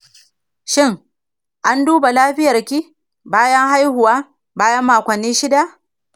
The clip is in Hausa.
shin an duba lafiyarki bayan haihuwa bayan makonni shida?